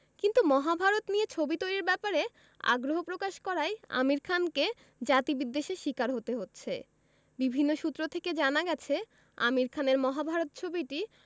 কিন্তু মহাভারত নিয়ে ছবি তৈরির ব্যাপারে আগ্রহ প্রকাশ করায় আমির খানকে জাতিবিদ্বেষের শিকার হতে হচ্ছে বিভিন্ন সূত্র থেকে জানা গেছে আমির খানের মহাভারত ছবিটি